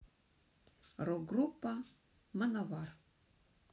рок группа мановар